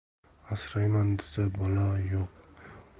asrayman desa balo